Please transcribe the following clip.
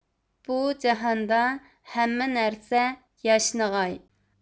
بۇ جاھاندا ھەممە نەرسە ياشنىغاي